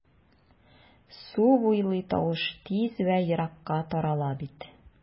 Су буйлый тавыш тиз вә еракка тарала бит...